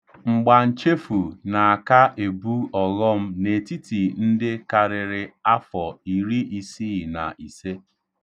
Mgbanchefu na-aka ebu ọghọm n'etiti ndị karịrị afọ iri isii na ise.